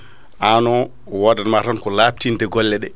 anno wodanma tan ko labtinde golle ɗe